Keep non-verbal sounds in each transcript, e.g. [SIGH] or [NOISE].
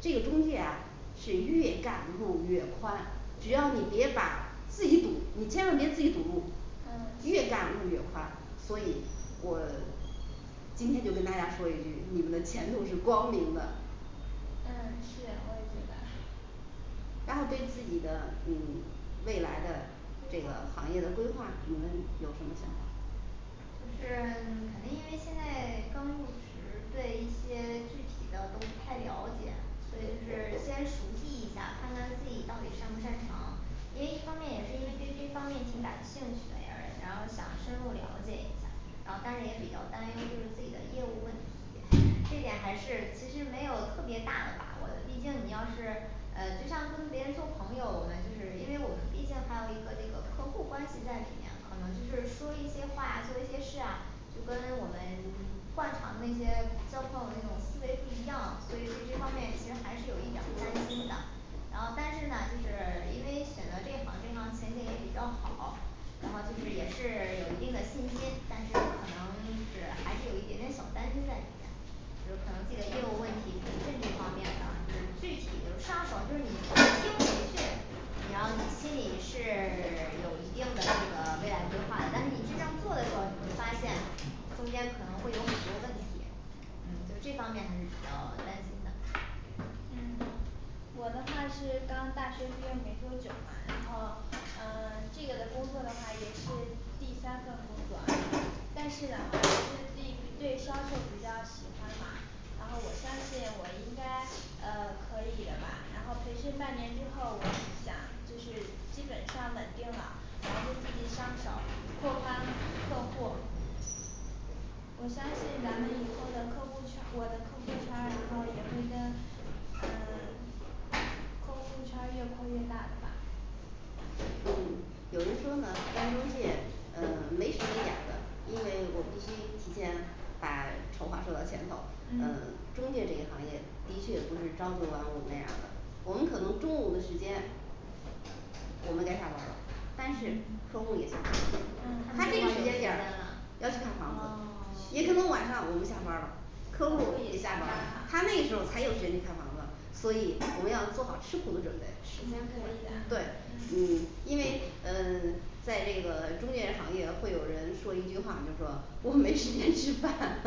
这个中介呀是越干路越宽，只要你别把自己赌，你千万别自己赌路，越嗯干路越快宽，所以我 [SILENCE] 今天就跟大家说一句，你们前途是光明的 [NOISE] 嗯是我也觉得 [HESITATION] 然后对自己的嗯未来的这规划个行业的规划，你们有什么想法儿？就是 [SILENCE] 肯定因为现在刚入职，对一些具体的都不太了解，所以就是先熟悉一下，看看自己到底擅不擅长因为一方面也是因为对这方面挺感兴趣的，也是然后想深入了解一下儿，然后但是也比较担忧就是自己的业务问题这点还是其实没有特别大的把握的，毕竟你要是呃就像跟别人做朋友，我们就是因为我们毕竟还有一个这个客户儿关系在里面可能就是说一些话做一些事啊，就跟我们 [SILENCE] 惯常的那些交朋友那种思维不一样，所以对这方面其实还是有一点儿担心的，然后但是呢就是 [SILENCE] 因为选择这一行这一行前景也比较好然后就是也是有一定的信心，但是可能 [SILENCE] 就是还是有一点点小担心在里面。有可能基本业务问题培训这方面的指具体就上手，就是你新这这你要你心里是 [SILENCE] 有一定的这个未来规划的，但是你真正做的时候你会发现中间可能会有很多问题，嗯，就这方面还是比较 [SILENCE] 担心的嗯，我的话是刚大学毕业没多久嘛，然后呃这个的工作的话也是第三份工作，但是的话就是自己对销售比较喜欢嘛然后我相信我应该呃可以的吧，然后培训半年之后，我想就是基本上稳定了，然后就自己上手拓宽客户儿我相信咱们以后的客户圈儿，我的客户圈儿，然后也会跟嗯 [SILENCE] 客户圈儿越扩越大的吧嗯有人说呢干中介呃没时没点儿的，因为我必须提前把丑话说到前头，呃嗯中介这一行业的确不是朝九晚五那样儿的，我们可能中午的时间我们在该下班儿了，但是嗯客户儿也下班儿了啊 [SILENCE] 他嗯他这正个好儿有时时间间点儿了要去看房子，也可哦能晚上我们下班儿了，客客户户也也下下班班儿儿了，他那了时候儿才有时间看房子，所以我们要做好吃苦的准备时时间间不可稳以的，对，定啊，，嗯嗯因为呃 [SILENCE] 在这个中介行业会有人说一句话，就说我没时间吃饭，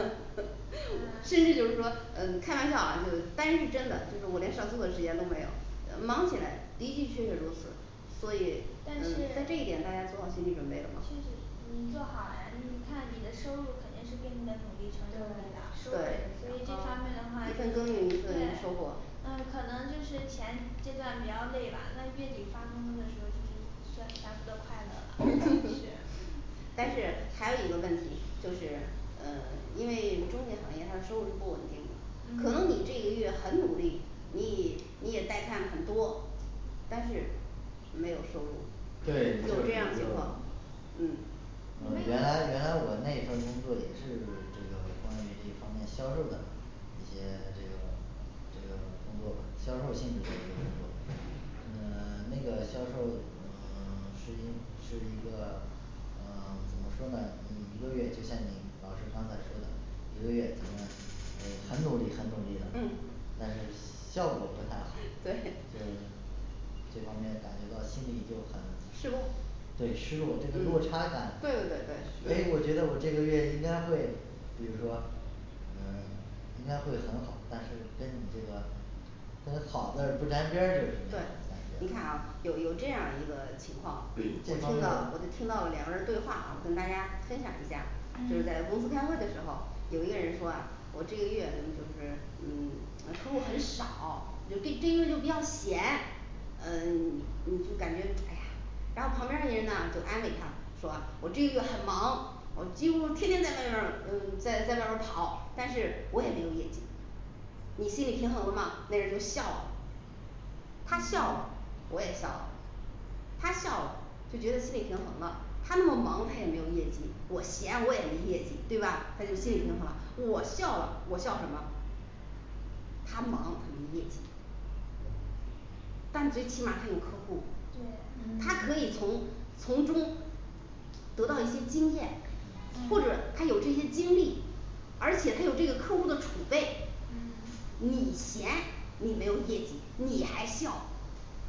[NOISE] 甚至嗯就是说呃开玩笑啊，就是当然是真的，就说我连上厕所时间都没有，呃忙起来，的的确确如此所以呃但是在这一点大家做好心理准备了确吗？实，嗯，做好了，你看你的收入肯定是跟你的努力成正比的，所对对收入，以见这小啊方面的话，一分耕耘一分对收获，，嗯可能就是前阶段比较累吧，但月底发工资的时候就是算全部的快乐了其实 [NOISE] 但是还有一个问题，就是呃因为中介行业它的收入不稳定，可能你这嗯个月很努力，你也你也在看很多但是，没有收入，对会，有这没样有情收况入。嗯你嗯原那来原来我那份儿工作也是这个关于这方面销售的一些这个这个工作吧销售性质的一个工作，嗯 [SILENCE] 那个销售嗯 [SILENCE] 是一是一个呃怎么说呢一个月就像您老师刚才说的，一个月咱们呃很努力很努力了嗯，但是效果不太，对对 [NOISE] 这方面感觉到心里就很失落对失落就是落嗯差感，所对以对对对我觉得我这个月应该会比如说呃应该会很好，但是跟你这个跟好字儿不沾边儿这对东西，你我看感觉，啊有有这样一个情况， [HESITATION] 这我方听面到儿我。听到两个人儿对话啊，跟大家分享一下儿。就是在嗯公司开会的时候，有一个人说啊我这个月可能就是嗯啊客户儿很少，就跟这一个月就比较闲呃你 [SILENCE] 你就感觉哎呀然后旁边儿人呢就安慰他说我这个月很忙，我几乎天天在外边儿呃在在外边儿跑，但是我也没有业绩，你心理平衡了吗？那人儿就笑了他嗯笑 [SILENCE] 我也笑了他笑就觉得心理平衡了，他那么忙他也没有业绩，我闲我也没业绩对吧？他就心理平衡了嗯，我笑了我笑什么？他忙他没业绩但最起码儿他有客户对儿，他可嗯以从从中得到一些经验，或者嗯他有这些经历而且他有这个客户儿的储备，嗯你闲你没有业绩，你还笑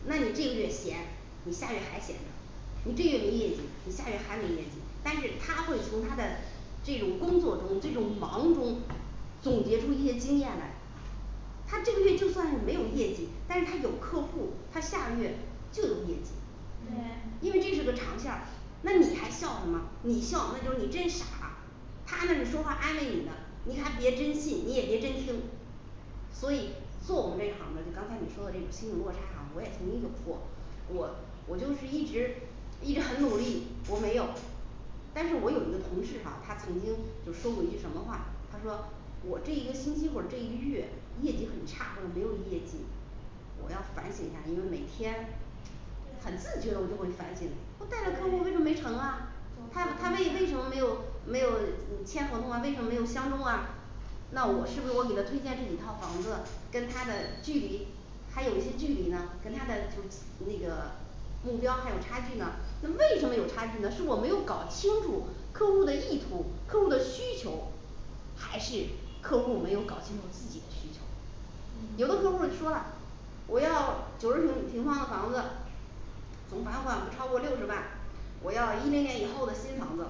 那你这个月闲你下月还闲着，你这个月没业绩，你下个月还没业绩，但是他会从他的这种工作中这种忙碌中总结出一些经验来他这个月就算是没有业绩，但是他有客户儿，他下个月就有业绩嗯，对因为嗯这是个长项。那你还笑什么？你笑那就是你真傻，他那是说话安慰你的，你还别真信你也别真听。所以做我们这一行的就刚才你说的这心理落差哈，我也曾经有过，我我就是一直一直很努力，我没有但是我有一个同事哈他曾经就说过一句什么话，他说我这一个星期或者这一月业绩很差，我没有业绩，我要反省一下儿，因为每天很对自觉的我就会反省，我带着客户为什么没对成啊总，他他结为为一什下么儿没有没有签合同啊，为什么没有相中啊？那我是不是我给他推荐几套房子，跟他的距离还有一些距离呢，跟他的什么那个目标儿还有差距呢，那为什么有差距呢？是我没有搞清楚客户儿的意图，客户儿的需求，还是客户儿没有搞清楚自己的需求。有的客户嗯儿就说了，我要九十平米平方的房子总房款不超过六十万，我要一零年以后的新房子，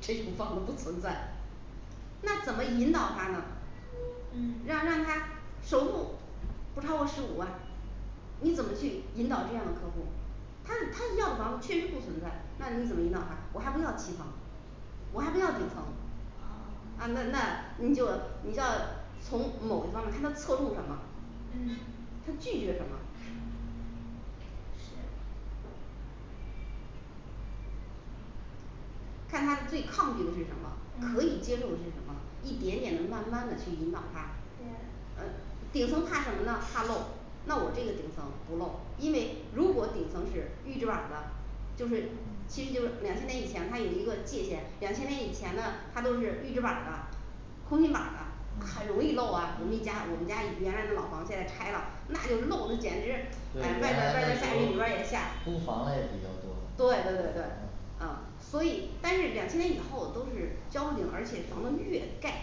这种房子不存在 [NOISE] 那怎么引导他呢嗯让他他首付不超过十五万，你怎么去引导这样的客户儿？他他要房确实不存在，那你怎么引导他，我还不要七层，我还不要顶层啊啊那 [SILENCE] 那你就你就要从某方面看他侧重什么嗯，他拒绝什么？是看他最抗拒的是什么，可以嗯接受的是什么？一点点的慢慢的去引导他，对呃顶层怕什么呢怕漏，那我这个顶层不漏，因为如果顶层是预制板儿的就是其实就嗯是两千年以前它有一个界限，两千年以前呢他都是预制板儿的空心板儿的很嗯容易漏啊，我们一家我嗯们家以前原来那老房现在拆了，那就漏的简直呃对原外边儿外来边那儿时下雨里边候儿也下儿，糊房嘞比较多对对对对。嗯啊，所以但是两千年以后都是胶顶，而且房子越盖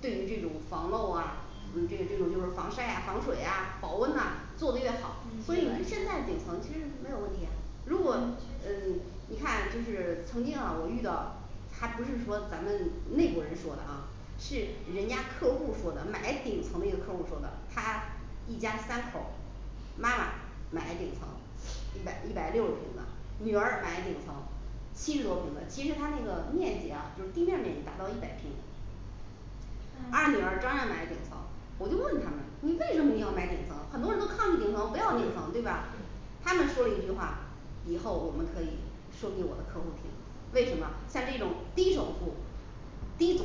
对于这种防漏啊嗯这个这嗯种就是防晒啊防水啊保温呐做得越好，所以嗯现在顶层其实没有问题啊。如果嗯其嗯实你看就是曾经啊我遇到还不是说咱们内部人说的啊，是人家客户儿说的买顶层的一个客户儿说的，他一家三口儿妈妈买顶层，一百一百六十平的女儿买顶层，七十多平的其实它那个面积啊就是地面儿面积达到一百平二嗯女儿照样儿买的顶层，我就问他们你为什么一定要买顶层，很多人都看不顶层我不要顶层对吧？ 他们说了一句话，以后我们可以说给我的客户儿听为什么像这种低首付低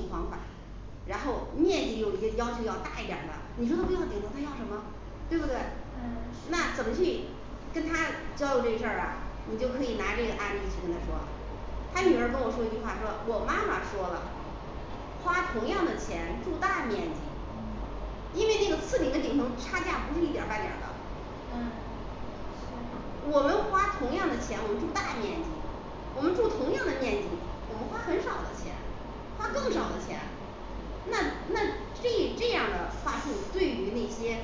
然后面积又一定要求要大一点儿的，你说他不要顶层，他要什么对不对？那怎嗯，么是去跟他交流这事儿啊，你就可以拿这个案例去跟他说她女儿跟我说一句话，说我妈妈说了，花同样的钱住大面积，嗯因为这个次顶的顶层差价不是一点儿半点儿的嗯我们花同样的钱，我们住大面积，我们住同样的面积，我们花很少的钱，花更嗯少的钱 [SILENCE] 那那这以那样的话术对于那些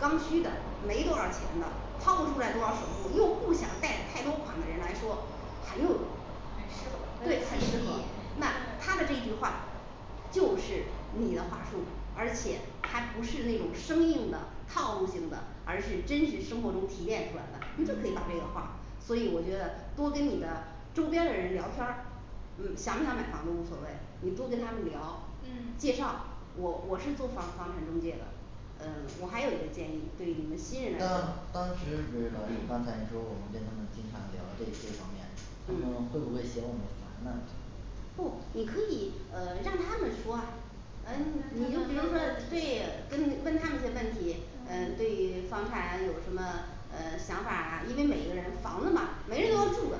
刚需的没多少钱的，掏不出来多少首付，又不想带贷太多款的人来说，只有很很有对，吸适合很适引力合，那嗯他的这句话就是你的话术，而且它不是那种生硬的套路性的，而是真实生活中提炼出来的，你都可以答嗯这个话儿，所以我觉得多跟你的周边儿的人聊天儿嗯想不想买房子无所谓，你不跟他们聊介嗯绍我我是做房房产中介的。呃我还有一个建议对于你们新人来说当当时是老师刚才你说我们跟他们经常聊这这方面，他们会嗯不会嫌我们烦呢不你可以呃让他们说，呃让他们问你就比如说问对跟他们问他们一些问题，呃对嗯于房产有什么呃想法儿，因为每个人房子嘛每个人都要住的嗯，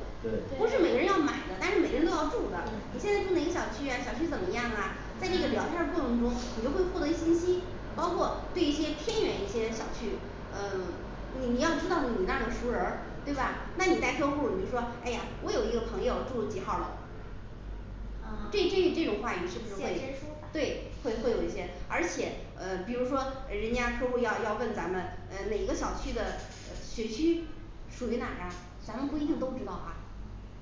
不对是每个对人要买的，但是每个人都要住的，你现在住哪个小对对区呀小区怎么样啊？在这个聊啊天儿过程中你就会获得一信息，包括对一些偏远一些小区，呃你你要知道你那有熟人儿对吧？ 那你带客户儿你就说诶呀我有一个朋友住几号儿楼这啊这这种话语现是身不是说会对法会会有一些，而且呃比如说人家客户儿要要问咱们呃哪个小区的呃学区属于哪呀咱们不一定都知道哈。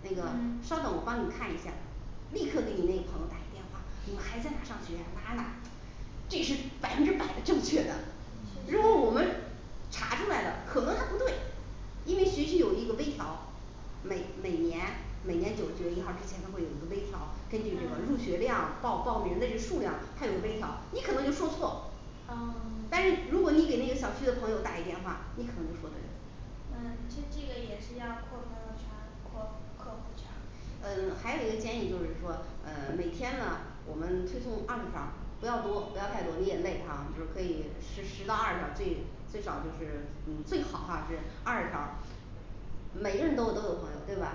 那个嗯稍等我帮你看一下儿，立刻给你那个朋友打电话，你们孩子在哪上学啊？哪哪哪这是百分之百的正确的，确如果嗯我们实查出来的可能还不对，因为学区有一个微调每每年每年九九月一号儿之前都会有一个微调，根据这个入学嗯量报报名的那数量它有微调，你可能就说错啊。但是 [SILENCE] 如果你给那个小区的朋友打一电话，你可能就说对了嗯这这个也是要扩朋友圈儿，扩客户圈儿呃还有一个建议就是说呃每天呢我们推送二十条儿不要多不要太多你也累哈，就是可以十十到二十条儿，最最少就是嗯最好哈是二十条儿每个人都有都有朋友对吧？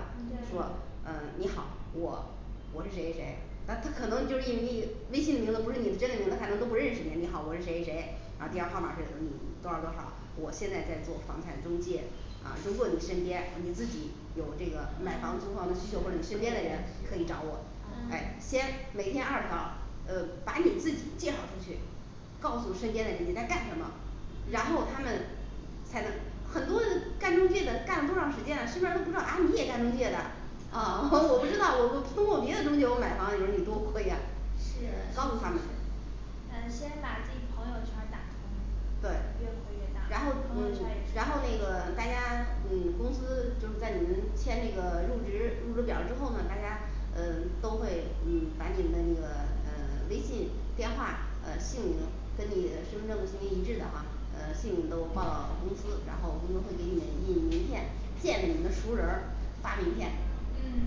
说对呃你好我我是谁谁谁，那不可能就是因为你微信的名字不是你的真的名字，他都不认识你你好我是谁谁谁，然后底下号码儿是嗯多少多少，我现在在做房产中介啊，如果你身边你自己有这个买房租房的需求，或者你身嗯是边的人你可以找我，诶嗯先每天二条儿呃把你自己介绍出去，告诉身边的人你在干什么，然后他嗯们才能很多干中介的干了多长时间了，身边儿都不知道啊你也干中介的，啊我不知道我我通过别的中介我买房，你说你多亏呀是确 [NOISE] 告诉他实们是呃先把自己朋友圈儿打通是吗，对越扩越大然后，朋嗯友圈儿也然后那是个大家嗯公司就是在你们签那个入职入职表儿之后嗯呢，大家呃都会嗯把你们那个呃微信电话、呃姓名跟你的身份证姓名一致的哈呃姓名都报到公司，然后公司会给你们印名片见你们的熟人儿发名片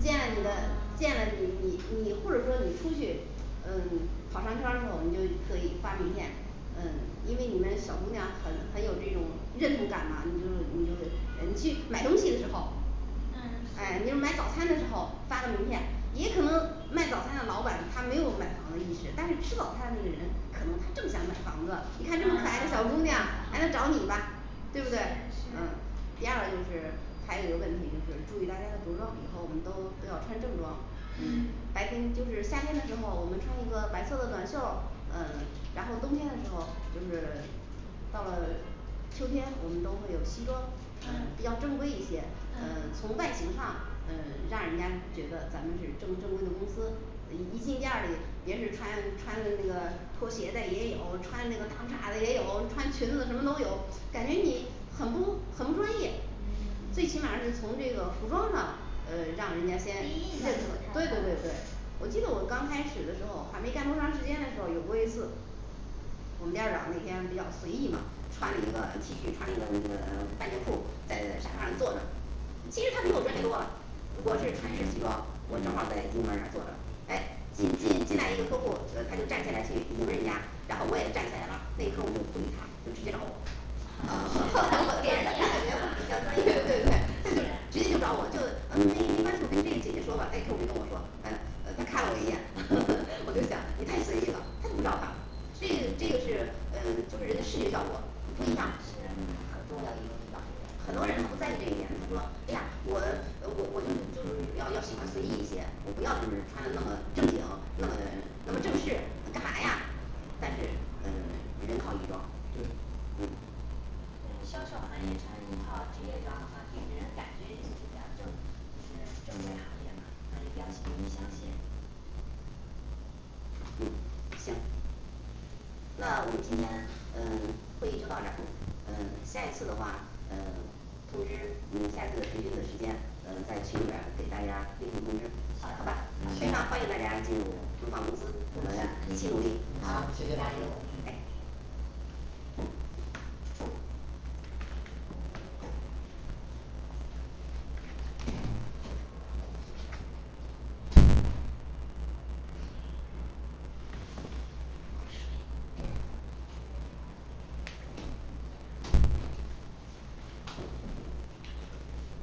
见了你的见啊了你你你，或者说你出去嗯跑商圈儿的时候儿，你就可以发名片呃因为你们小姑娘很很有这种认同感嘛，你就是你就是呃去买东西的时候哎，嗯，你是就买早餐的时候发个名片，也可能卖早餐的老板他没有买房的意识，但是吃早餐的那个人可能他正想买房子，一看这么可爱的小姑啊娘哎那找你吧是对不是对？啊第二个就是还有一个问题就是注意大家的着装以后我们都是要穿正装，嗯嗯白天就是夏天的时候，我们穿一个白色的短袖儿，呃然后冬天的时候就是到了秋天我们都会有西装什么的比嗯较正规一些，嗯从嗯外形上嗯让人家觉得咱们是正正规的公司呃一一进店儿里别是穿穿那个拖鞋的也有，穿那个大裤衩的也有，穿裙子的什么都有，感觉你很不很不专业嗯，最起 [SILENCE] 码是从这个服装上呃让人家第一印先认象可，可对差对对了对。我记得我刚开始的时候还没干多长时间的时候，有过一次我们店儿长那天比较随意嘛，穿了一个T恤，穿了一个那个 [SILENCE] 半截裤在沙发上坐着